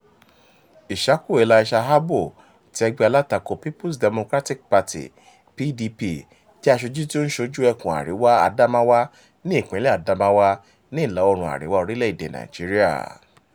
Ishaku Elisha Abbo ti ẹgbẹ́ alátakò People's Democratic Party (PDP) jẹ́ aṣojú tí ó ń ṣojú Ẹkùn-un Àríwá Adamawa ní Ìpínlẹ̀ Adamawa, ní ìlà-oòrùn àríwá orílẹ̀ èdèe Nàìjíríà.